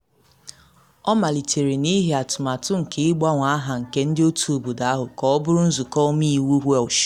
Ọ malitere n’ihi atụmatụ nke ịgbanwe aha nke ndị otu obodo ahụ ka ọ bụrụ Nzụkọ Omeiwu Welsh.